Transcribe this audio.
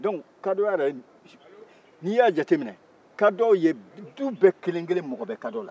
dɔnku kadoya yɛrɛ n'i y'a jateminɛ du bɛɛ kelen-kelen mɔgɔ bɛ kadola